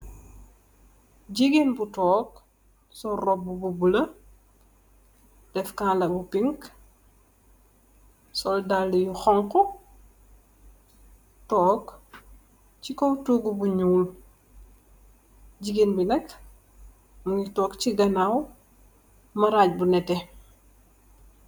Gigeen bu tóóg sol róbbu bu bula, dèf kala bu pink, sol dalli yu xonxu tóóg ci kaw tóógu bu ñuul. Gigeen bi mugii tóóg ci ganaw maraj bu netteh.